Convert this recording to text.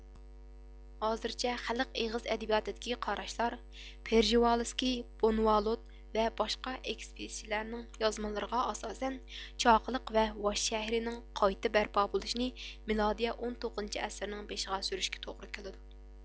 ھازىرچە خەلق ئېغىز ئەدەبىياتىدىكى قاراشلار پېرژىۋالىسكىي بونۋالوت ۋە باشقا ئېكىسپېدىتسىيچىلەرنىڭ يازمىلىرىغا ئاساسەن چاقىلىق ۋە ۋاششەھىرىنىڭ قايتا بەرپا بولۇشىنى مىلادىيە ئون توققۇزىنچى ئەسىرنىڭ بېشىغا سۈرۈشكە توغرا كېلىدۇ